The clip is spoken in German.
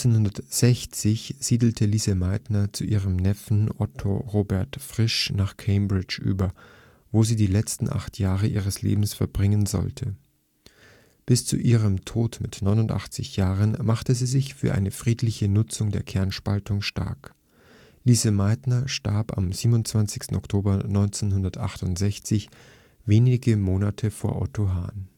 1960 siedelte Lise Meitner zu ihrem Neffen Otto Robert Frisch nach Cambridge über, wo sie die letzten acht Jahre ihres Lebens verbringen sollte. Bis zu ihrem Tod mit 89 Jahren machte sie sich für eine friedliche Nutzung der Kernspaltung stark. Lise Meitner starb am 27. Oktober 1968, wenige Monate nach Otto Hahn